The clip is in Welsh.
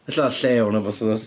Ella llew neu wbath oedd...